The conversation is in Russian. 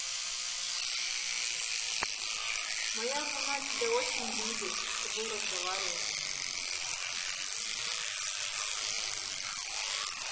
моя жена тебя очень любит с тобой разговаривать